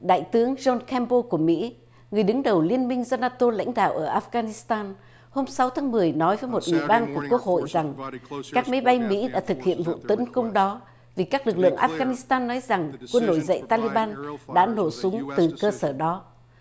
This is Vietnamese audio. đại tướng gion kem bô của mỹ người đứng đầu liên minh do na tô lãnh đạo ở áp ga nít tan hôm sáu tháng mười nói với một ủy ban của quốc hội rằng các máy bay mỹ đã thực hiện vụ tấn công đó vì các lực lượng áp ga nít tan nói rằng quân nổi dậy ta li ban đã nổ súng từ cơ sở đó